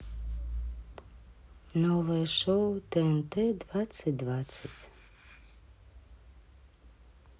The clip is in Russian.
новое шоу тнт двадцать двадцать